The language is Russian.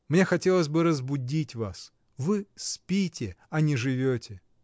Мне хотелось бы разбудить вас: вы спите, а не живете.